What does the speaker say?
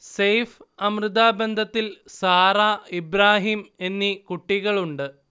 സെയ്ഫ്-അമൃത ബന്ധത്തിൽ സാറ, ഇബ്രാഹീം എന്നീ കുട്ടികളുണ്ട്